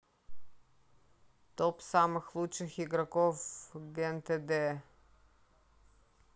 топ самых лучших игроков gente de